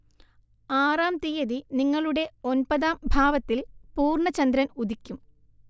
ആറാം തീയതി നിങ്ങളുടെ ഒൻപതാം ഭാവത്തിൽ പൂർണ്ണ ചന്ദ്രൻ ഉദിക്കും